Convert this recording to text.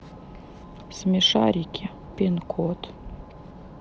смешарики пин код